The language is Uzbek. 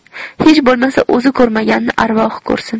hech bo'lmasa o'zi ko'rmaganni arvohi ko'rsin